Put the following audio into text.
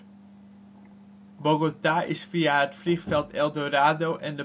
Bogota is via het vliegveld Eldorado en de